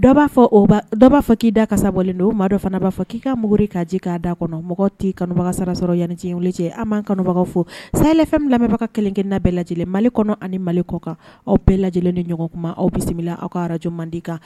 dɔw b'a fɔ dɔ b'a fɔ k'i da kasa bɔlen don ma dɔ fana b'a fɔ k'i kamori kaa ji k ka da kɔnɔ mɔgɔ tɛi kanubagasa sɔrɔ yananic cɛ an' kanubagaw fo saya fɛn lamɛnbagaw kelenkelenina bɛɛ lajɛ lajɛlen mali kɔnɔ ani mali kɔ kan aw bɛɛ lajɛ lajɛlen ni ɲɔgɔn kuma aw bisimila aw ka arajo mandi kan